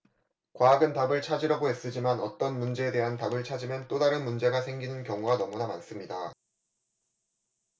과학은 답을 찾으려고 애쓰지만 어떤 문제에 대한 답을 찾으면 또 다른 문제가 생기는 경우가 너무나 많습니다